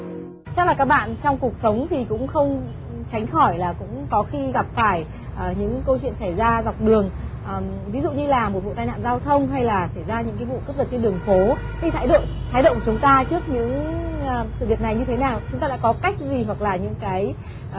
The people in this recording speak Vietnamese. chắc là các bạn trong cuộc sống thì cũng không tránh khỏi là cũng có khi gặp phải ờ những câu chuyện xảy ra dọc đường ờ ví dụ như là một vụ tai nạn giao thông hay là xảy ra những cái vụ cướp giật trên đường phố khi thái độ thái độ của chúng ta trước những sự việc này như thế nào chúng ta đã có cách gì hoặc là những cái